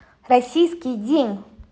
российский день